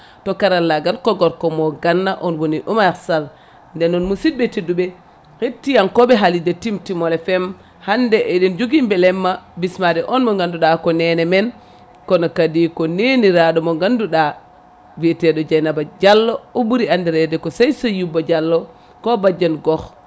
to karallagal ko gorko mo Ganna on woni Oumar Sall nden noon musidɓe tedduɓe hettiyankoɓe haalirde Timtimol FM hande eɗen jogui beelemma bismade on mo ganduɗa ko nene men kono kadi neniraɗo mo ganduɗa biyeteɗo Dieynaba Diallo o ɓuuri andirede ko Seysiyuba Diallo ko bajene gokh